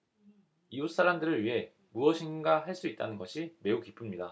이웃 사람들을 위해 무엇인가 할 수 있다는 것이 매우 기쁩니다